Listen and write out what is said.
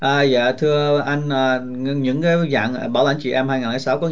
à dạ thưa anh ngưng những dạng bảo lãnh chị em hai ngàn lẻ sáu có